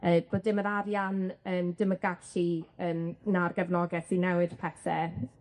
Yy bod dim yr arian yym dim y gallu yym na'r gefnogeth i newid pethe.